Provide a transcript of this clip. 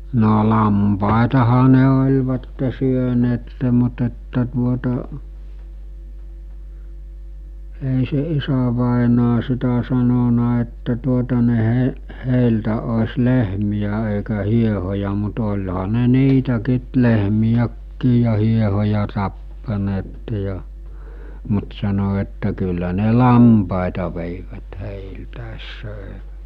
no lampaitahan ne olivat syöneet mutta että tuota ei se isävainaja sitä sanonut että tuota ne - heiltä olisi lehmiä eikä hiehoja mutta olihan ne niitäkin lehmiäkin ja hiehoja tappaneet ja mutta sanoi että kyllä ne lampaita veivät heiltä söivät